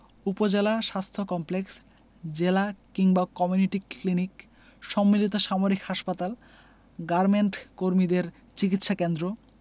উপজেলা স্বাস্থ্য কমপ্লেক্স জেলা কিংবা কমিউনিটি ক্লিনিক সম্মিলিত সামরিক হাসপাতাল গার্মেন্টকর্মীদের চিকিৎসাকেন্দ্র